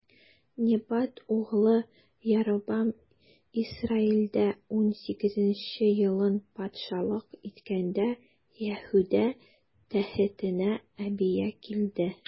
Небат углы Яробам Исраилдә унсигезенче елын патшалык иткәндә, Яһүдә тәхетенә Абия килде.